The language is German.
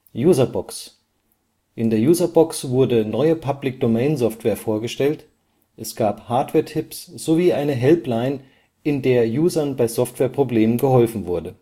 Userbox: In der Userbox wurde neue Public-Domain-Software vorgestellt, es gab Hardwaretipps sowie eine Helpline, in der Usern bei Softwareproblemen geholfen wurde